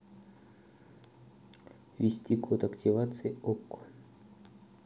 ввести код активации окко